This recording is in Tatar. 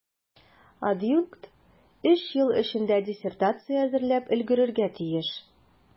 Адъюнкт өч ел эчендә диссертация әзерләп өлгерергә тиеш.